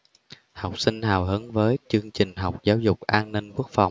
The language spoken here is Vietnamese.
học sinh hào hứng với chương trình học giáo dục an ninh quốc phòng